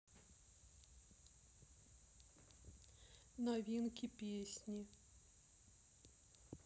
новинки песни